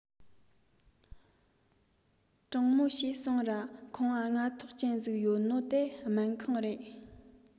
དྲང མོ བྱོས སོང ར ཁང བ ལྔ ཐོག ཅན ཟིག ཡོད ནོ དེ སྨན ཁང རེད